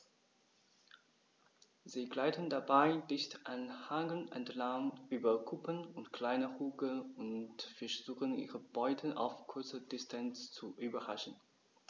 Sie gleiten dabei dicht an Hängen entlang, über Kuppen und kleine Hügel und versuchen ihre Beute auf kurze Distanz zu überraschen.